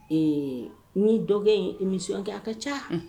Ɛɛ, ni dɔgɔkɛ ye émission kɛ a ka ca, Un.